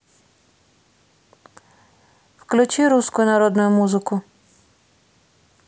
включи русскую народную музыку